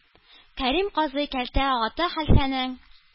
Кәрим казый, Кәлтә Гата хәлфәнең